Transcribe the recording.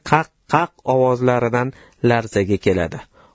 qaq qaq ovozlaridan larzaga keladi